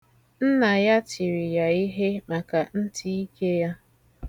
Nna ya tiri ya ihe maka ntịike ya.